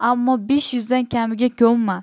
ammo besh yuzdan kamiga ko'nma